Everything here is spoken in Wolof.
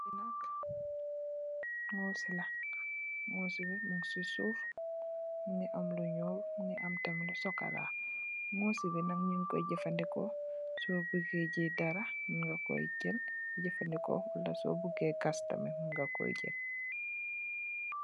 Li nak nguss la nguss bi mung si suuf mogi am lu nuul mogi am tamit lu chocola nguss bi nak nyun koi jefendeko so boge gii dara mung nga ko jel jefendeko wala so boge gass tamit mung nga ko jeël.